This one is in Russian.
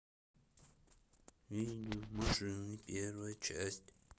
видео машины первая часть